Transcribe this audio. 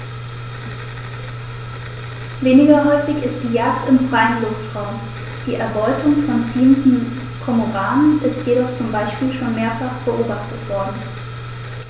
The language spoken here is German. Weniger häufig ist die Jagd im freien Luftraum; die Erbeutung von ziehenden Kormoranen ist jedoch zum Beispiel schon mehrfach beobachtet worden.